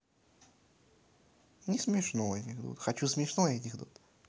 не смешной анекдот хочу смешной анекдот